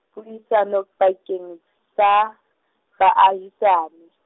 puisano pakeng tsa, baahisani.